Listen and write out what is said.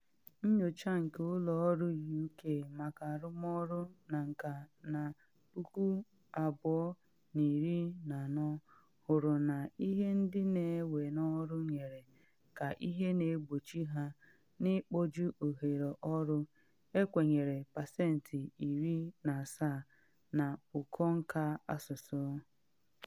Nyocha nke Ụlọ Ọrụ UK maka Arụmọrụ na Nka na 2014 hụrụ na ihe ndị na ewe n’ọrụ nyere ka ihe na egbochi ha na ikpoju ohere ọrụ, ekenyere pasenti 17 na ụkọ nka asụsụ.